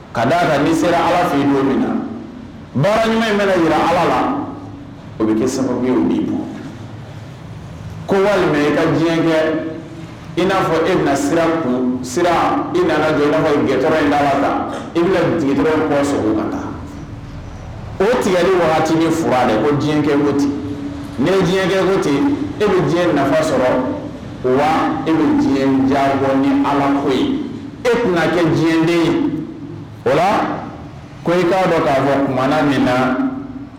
Ka d da la n'i sera ala f' i don min na baara ɲuman in bɛ jira ala la o bɛ kɛ sama di bɔ ko walima i ka diɲɛ kɛ i n'a fɔ e sira kun i nana diɲɛfɔ gɛntɔ i ala la i bɛna dɔrɔn kɔ sɔrɔ ka o tigɛ ni waati ye f de ko diɲɛkɛ woti ne diɲɛkɛ wo e bɛ diɲɛ nafa sɔrɔ e bɛ diɲɛ ja ni ala ko ye e tun kɛ diɲɛden o la ko i k'a dɔn k'a fɔ kumana min na